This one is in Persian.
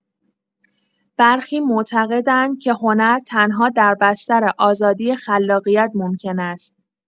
برخی معتقدند که هنر تنها در بستر آزادی خلاقیت ممکن است.